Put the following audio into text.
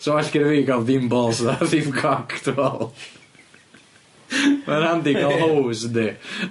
Sa well gennyf fi ga'l ddim balls na ddim coc dwi me'wl. Mae'n handi ca'l hose yndi?